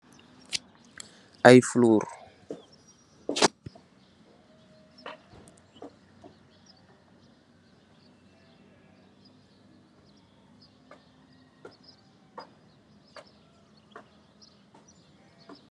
Ay foloor